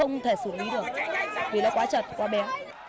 không thể xử lý được vì đã quá chật quá bé